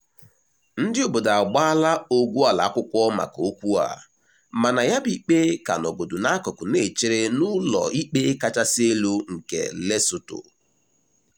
Ndị obodo agbaala ogwuala akwụkwọ maka okwu a, mana ya bu ikpe ka nọgodu n'akụkụ na-echere n'ụlọ Ikpe Kachasị Elu nke Lesotho.